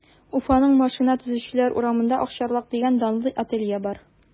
Уфаның Машина төзүчеләр урамында “Акчарлак” дигән данлы ателье бар.